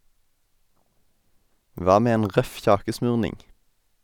Hva med en røff kjakesmurning?